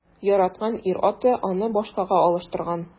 Яраткан ир-аты аны башкага алыштырган.